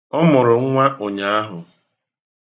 Ọ mụrụ nnwa ụnyaahụ.